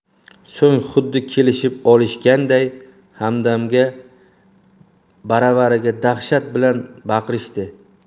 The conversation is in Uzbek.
so'ng xuddi kelishib olishganday hamdamga baravariga dahshat bilan boqishdi